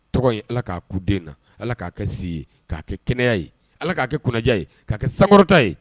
Tɔgɔ in ala k'a kun den na ala k'a kɛ si ye k' kɛ kɛnɛya ye ala k'a kɛ kunnaja ye k'a kɛ sankɔrɔta ye